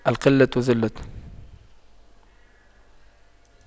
القلة ذلة